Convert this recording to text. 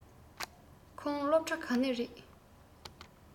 ཁོང སློབ གྲྭ ག ནས རེས